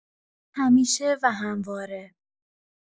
همیشه و همواره